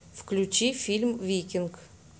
включи фильм викинг